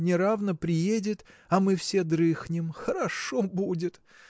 неравно приедет, а мы все дрыхнем – хорошо будет!